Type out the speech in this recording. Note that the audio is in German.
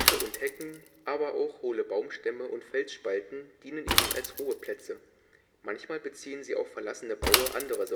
und Hecken, aber auch hohle Baumstämme und Felsspalten dienen ihnen als Ruheplätze, manchmal beziehen sie auch verlassene Baue anderer